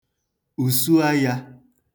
ùsuayā